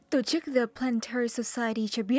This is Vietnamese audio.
tổ chức dơ pai tơ so ci e ty cho biết